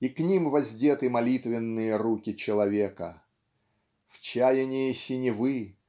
и к ним воздеты молитвенные руки человека. В чаянии синевы